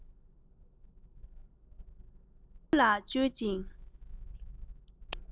བསིལ རླུང ལ བཅོལ ཅིང